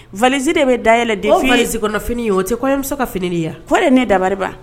valise de bɛ da yɛlɛ depuis o valise kɔnɔ fini, o tɛ koɲɔmuso ka finiw de ye wa, o de ye ne dabali ban